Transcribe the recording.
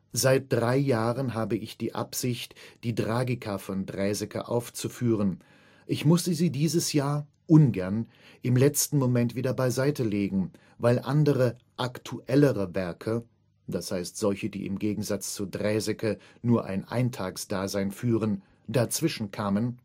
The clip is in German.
Seit drei Jahren habe ich die Absicht, die Tragica von Draeseke aufzuführen; ich mußte sie dieses Jahr – ungern – im letzten Moment wieder beiseite legen, weil andere „ aktuellere “Werke (d. h. solche die im Gegensatz zu Draeseke nur ein Eintagsdasein führen!) dazwischen kamen